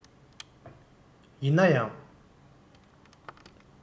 ཡིན ན ཡང